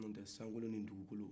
no tɛ sankolo ni dugu kolo